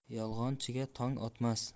yolg'onchiga tong otmas